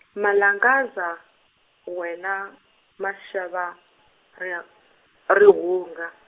Malangadza, wena, maxava, ria- rihunga.